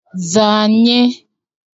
zànye